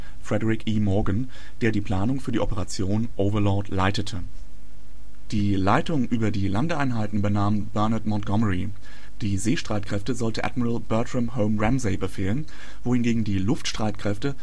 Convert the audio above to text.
Frederick E. Morgan, der die Planung für die Operation Overlord leitete. Die Leitung über die Landeeinheiten übernahm Bernard Montgomery. Die Seestreitkräfte sollte Admiral Bertram Home Ramsay befehlen, wohingegen die Luftstreitkräfte